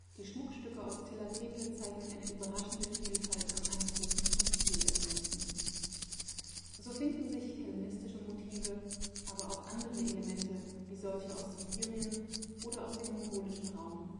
Die Schmuckstücke aus Tilla Tepe zeigen eine überraschende Vielfalt an Einflüssen und Stilelementen. So finden sich hellenistische Motive aber auch andere Elemente, wie solche aus Sibirien oder aus dem mongolischen Raum